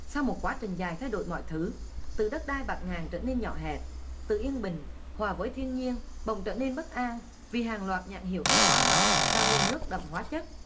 sau một quá trình dài thay đổi mọi thứ từ đất đai bạt ngàn trở nên nhỏ hẹp tự yên bình hòa với thiên nhiên bỗng trở nên bất an vì hàng loạt nhãn hiệu thuốc hóa học và nguồn nước đậm hóa chất